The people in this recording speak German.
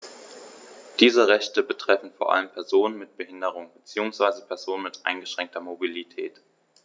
Diese Rechte betreffen vor allem Personen mit Behinderung beziehungsweise Personen mit eingeschränkter Mobilität.